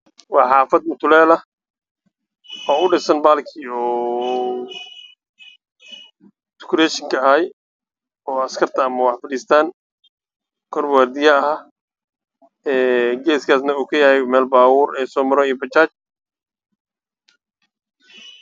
Waa xaafad mutulel ah